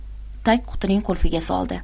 tagqutining qulfiga soldi